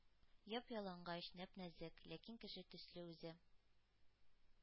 Яп-ялангач, нәп-нәзек, ләкин кеше төсле үзе;